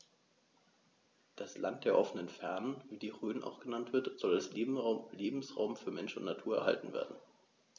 Das „Land der offenen Fernen“, wie die Rhön auch genannt wird, soll als Lebensraum für Mensch und Natur erhalten werden.